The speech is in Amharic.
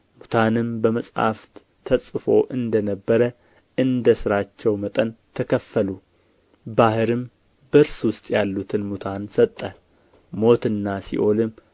ሙታንም በመጻሕፍት ተጽፎ እንደ ነበረ እንደ ሥራቸው መጠን ተከፈሉ ባሕርም በእርሱ ውስጥ ያሉትን ሙታን ሰጠ ሞትና ሲኦልም